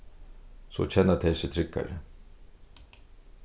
so kenna tey seg tryggari